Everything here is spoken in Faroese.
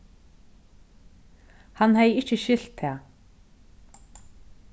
hann hevði ikki skilt tað